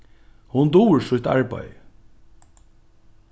hon dugir sítt arbeiði